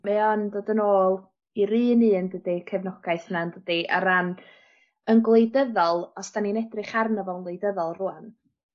Mae o'n dod yn ôl i'r un un dydi? Cefnogaeth 'na yndydi? Ar ran yn gwleidyddol os 'dan ni'n edrych arno fo'n wleidyddol rŵan